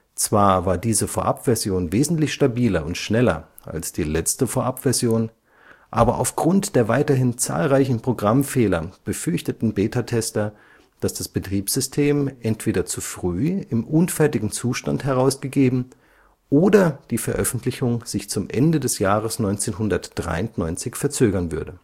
Zwar war diese Vorabversion wesentlich stabiler und schneller als die letzte Vorabversion, aber aufgrund der weiterhin zahlreichen Programmfehler befürchteten Betatester, dass das Betriebssystem entweder zu früh im unfertigen Zustand herausgegeben, oder die Veröffentlichung sich zum Ende des Jahres 1993 verzögern würde